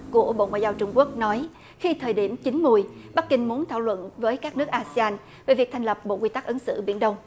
của bộ ngoại giao trung quốc nói khi thời điểm chín muồi bắc kinh muốn thảo luận với các nước a si an về việc thành lập bộ quy tắc ứng xử biển đông